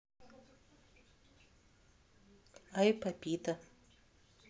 ай папито